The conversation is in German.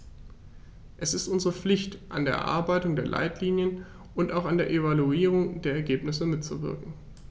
Es ist unsere Pflicht, an der Erarbeitung der Leitlinien und auch an der Evaluierung der Ergebnisse mitzuwirken.